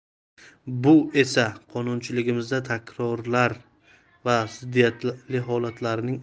bu esa qonunchiligimizda takrorlar va ziddiyatli holatlarning